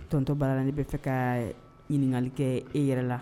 Tɔnontɔ baara la ne bɛa fɛ ka ɲininkakali kɛ e yɛrɛ la